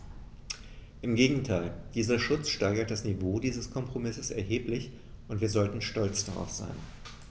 Im Gegenteil: Dieser Schutz steigert das Niveau dieses Kompromisses erheblich, und wir sollten stolz darauf sein.